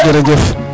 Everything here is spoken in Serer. jerejef